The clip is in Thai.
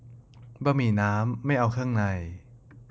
บะหมี่น้ำไม่เอาเครื่องใน